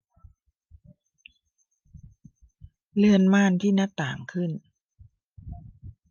เลื่อนม่านที่หน้าต่างขึ้น